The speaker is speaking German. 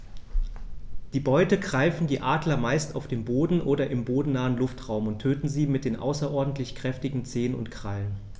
Die Beute greifen die Adler meist auf dem Boden oder im bodennahen Luftraum und töten sie mit den außerordentlich kräftigen Zehen und Krallen.